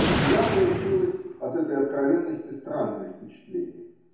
У меня получилось от этой откровенности странное впечатление.